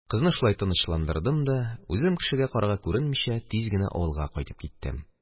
Кызны шулай тынычландырдым да үзем, кешегә-карага күренмичә, тиз генә авылга кайтып киттем.